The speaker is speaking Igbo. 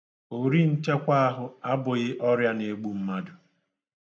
Ori nchekwa ahụ abughị ọrịa na-egbu mmadụ.